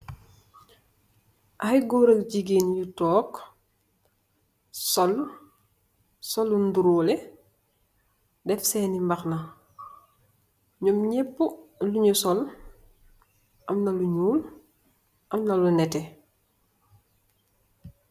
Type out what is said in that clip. Aye goor ak gigeen nyunge tok sul lu nduruleh daf sen mbak na nyum nyep lunj sul amna lu nyull amna lu netteh